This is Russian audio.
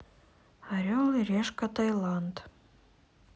орел и решка тайланд